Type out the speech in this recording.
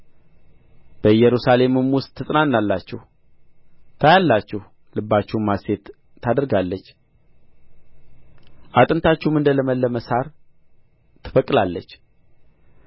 በኢየሩሳሌምም ውስጥ ትጽናናላችሁ ታያላችሁ ልባችሁም ሐሤት ታደርጋለች አጥንታችሁም እንደ ለምለም ሣር ትበቅላለች